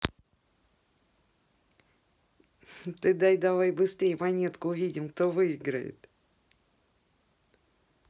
ты дай давай быстрей монетку увидим кто выиграет